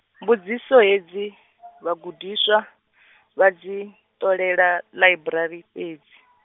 mbudziso hedzi, vhagudiswa, vha dzi, ṱolela ḽaiburari fhedzi.